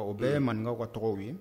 O bɛɛ ye maninkaw ka tɔgɔw ye. Un !